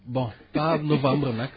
bon pas novembre ;fra nag